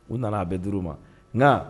U nana a bɛ d ma nka